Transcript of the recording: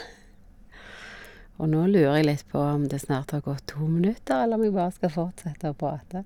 Og nå lurer jeg litt på om det snart har gått to minutter, eller om jeg bare skal fortsette å prate.